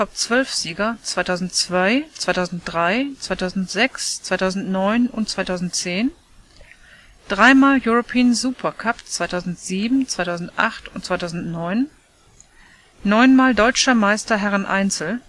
TOP-12-Sieger 2002, 2003, 2006, 2009, 2010 3x European Super Cup 2007, 2008, 2009 9x Deutscher Meister Herren-Einzel